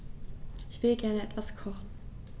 Ich will gerne etwas kochen.